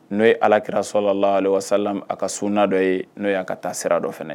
N'o ye alakira salawalehuma sɔlim ka suna dɔ ye n'o y' ka taa sira dɔ fana